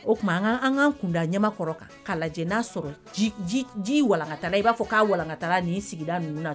O tuma an ka an ka kunda ɲɛkɔrɔ ka kala lajɛ n'a sɔrɔ ji walankata i b'a fɔ'a walankata ni sigida ninnu